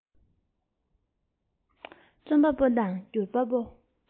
རྩོམ པ པོ དང སྒྱུར པ པོ